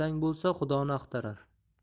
bo'lsa xudoni axtarar